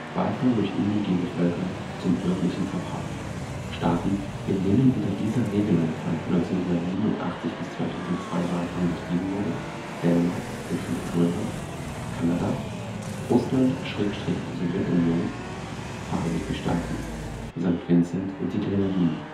Walfang durch indigene Bevölkerung zum örtlichen Verbrauch. Staaten, in denen unter dieser Regelung von 1987 bis 2002 Walfang betrieben wurde†: Dänemark (Grönland), Kanada, Russland/Sowjetunion, Vereinigte Staaten, St. Vincent und die Grenadinen